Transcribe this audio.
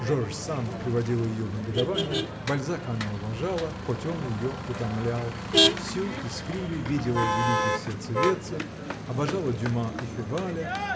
Жорж-Санд приводила ее в негодование, Бальзака она уважала, хоть он ее утомлял, в Сю и Скрибе видела великих сердцеведцев, обожала Дюма и Феваля